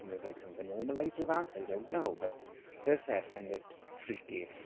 and there's like something normalised with that? I don't know, but personally, I find it freaky.